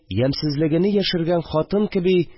Ямьсезлегене яшергән хатын кеби